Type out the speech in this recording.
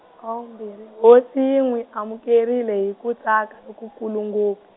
-ha mbhiri, hosi yi n'wi amukerile hi ku tsaka lokukulu ngopfu.